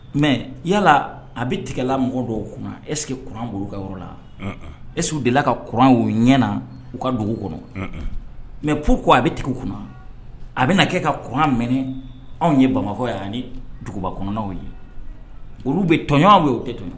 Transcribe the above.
Mɛ yalala a bɛ tigala mɔgɔ dɔw kunna eseke kuran bolo kɛ yɔrɔ la esiww dela ka kuran y'o ɲɛ na u ka dugu kɔnɔ mɛ p ko a bɛ tigi kunna a bɛ kɛ ka kuran m anw ye bamakɔ yan ni dugubakw ye olu bɛ tɔnɲɔgɔnɔnw bɛ'o tɛ tun